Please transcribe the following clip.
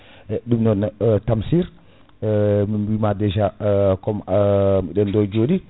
e ɗum noon e Tamsir min biima déja comme biɗen ɗo jooɗi